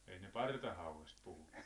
ei ne partahauesta puhunut